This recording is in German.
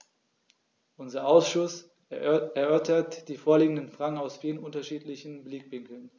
Unser Ausschuss erörtert die vorliegenden Fragen aus vielen unterschiedlichen Blickwinkeln.